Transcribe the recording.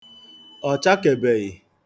Ọ chakebeghi.